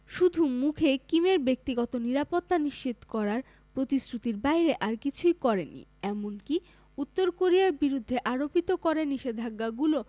শুধু মুখে কিমের ব্যক্তিগত নিরাপত্তা নিশ্চিত করার প্রতিশ্রুতির বাইরে আর কিছুই করেনি এমনকি উত্তর কোরিয়ার বিরুদ্ধে আরোপিত কঠোর নিষেধাজ্ঞাগুলো